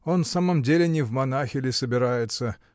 Он, в самом деле, не в монахи ли собирается?